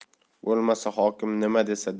bo'lmasa hokim nima desa